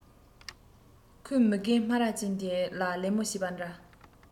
ཁོས མི རྒན སྨ ར ཅན དེ ལ ལད མོ བྱས པ འདྲ